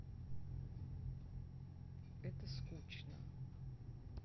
это скучно